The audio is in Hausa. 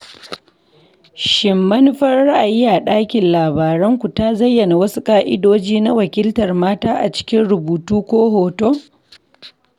Shin manufar ra'ayi ta ɗakin labaranku ta zayyana wasu ƙa'idoji na wakiltar mata a cikin rubutu ko hoto?